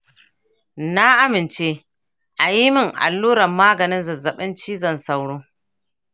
na amince a yi min allurar maganin zazzaɓin cizon sauro.